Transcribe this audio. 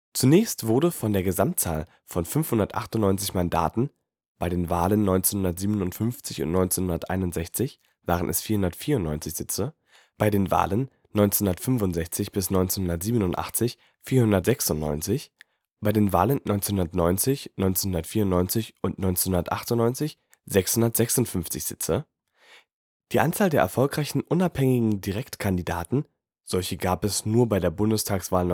Zunächst wurde von der Gesamtzahl von 598 Mandaten (bei den Wahlen 1957 und 1961 waren es 494 Sitze, bei den Wahlen 1965 bis 1987 496, bei den Wahlen 1990, 1994 und 1998 656 Sitze) die Anzahl der erfolgreichen unabhängigen Direktkandidaten (solche gab es nur bei der Bundestagswahl